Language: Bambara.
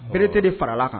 Bereerete de farala kan